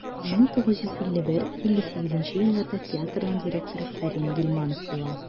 1951-1958 елларда театрның директоры кәрим гыйльманов була.